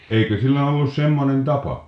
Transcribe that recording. eikö silloin ollut semmoinen tapa